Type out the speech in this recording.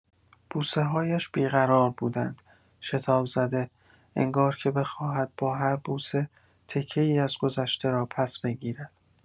بوسه‌هایش بی‌قرار بودند، شتاب‌زده، انگار که بخواهد با هر بوسه، تکه‌ای از گذشته را پس‌بگیرد.